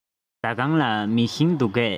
ཟ ཁང ལ མེ ཤིང འདུག གས